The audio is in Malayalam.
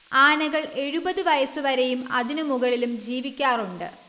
ആനകൾ എഴുപത് വയസ്സ് വരെയും അതിനു മുകളിലും ജീവിക്കാറുണ്ട്